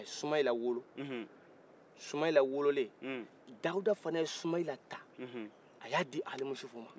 a ye soumeila wolo soumeila wololen daouda fan et taa a y'a di alimusufu ma